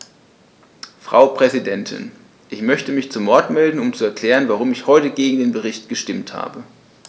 Frau Präsidentin, ich möchte mich zu Wort melden, um zu erklären, warum ich heute gegen den Bericht gestimmt habe.